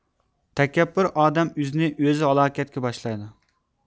تەكەببۇر ئادەم ئۆزىنى ئۆزى ھالاكەتكە باشلايدۇ